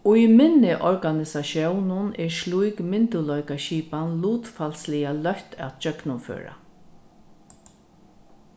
í minni organisatiónum er slík myndugleikaskipan lutfalsliga løtt at gjøgnumføra